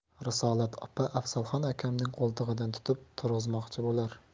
risolat opa afzalxon akamning qo'ltig'idan tutib turg'izmoqchi bo'lar